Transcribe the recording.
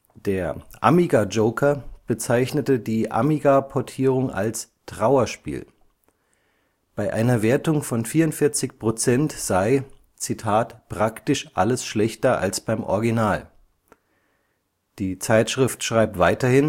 Der Amiga Joker bezeichnete die Amiga-Portierung als „ Trauer-Spiel “. Bei einer Wertung von 44 % sei „ praktisch alles schlechter als beim Original “. Die Zeitschrift schreibt: „ Die